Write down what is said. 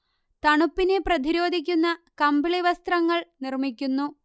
തണുപ്പിനെ പ്രതിരോധിക്കുന്ന കമ്പിളി വസ്ത്രങ്ങൾ നിർമ്മിക്കുന്നു